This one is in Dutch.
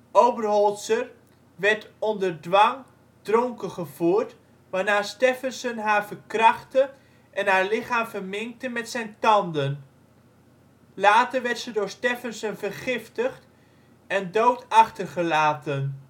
Oberholtzer werd onder dwang dronken gevoerd waarna Stephenson haar verkrachtte en haar lichaam verminkte met zijn tanden. Later werd ze door Stephenson vergiftigd en dood achtergelaten